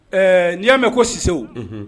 Ɛɛ n'i y'a mɛn ko sisew